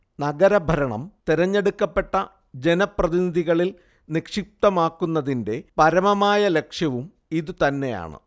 നഗരഭരണം തെരഞ്ഞെടുക്കപ്പെട്ട ജനപ്രതിനിധികളിൽ നിക്ഷിപ്തമാക്കുന്നതിന്റെ പരമമായ ലക്ഷ്യവും ഇതുതന്നെയാണ്